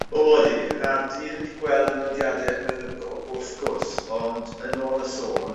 O ydi nawr 'dyn ni ddim wedi gweld y nodiade meddygol wrth gwrs ond yn ôl y sôn